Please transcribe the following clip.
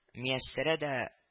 Мияссәрә дә